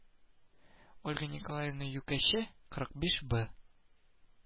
Ольга Николаева Юкәче кырык биш б